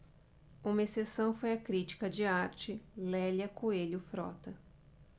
uma exceção foi a crítica de arte lélia coelho frota